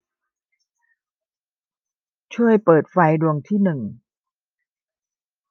ช่วยเปิดไฟดวงที่หนึ่ง